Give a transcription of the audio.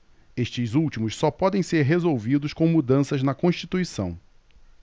estes últimos só podem ser resolvidos com mudanças na constituição